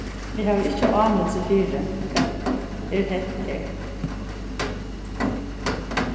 eg havi ikki ánilsi fyri hvat er hent her